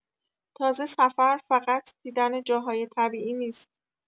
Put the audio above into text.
تازه سفر فقط دیدن جاهای طبیعی نیست.